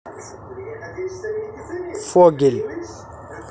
фогель